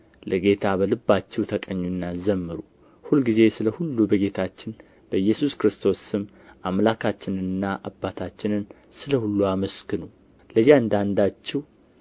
ለጌታ በልባችሁ ተቀኙና ዘምሩ ሁልጊዜ ስለ ሁሉ በጌታችን በኢየሱስ ክርስቶስ ስም አምላካችንንና አባታችንን ስለ ሁሉ አመስግኑ ለእያንዳንዳችሁ